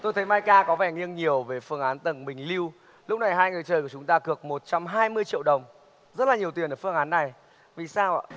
tôi thấy mai ca có vẻ nghiêng nhiều về phương án tầng bình lưu lúc này hai người chơi của chúng ta cược một trăm hai mươi triệu đồng rất là nhiều tiền ở phương án này vì sao ạ